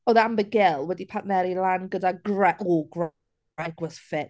Oedd Amber Gill wedi partneri lan gyda Gre-. Oh, Gr- Greg was fit.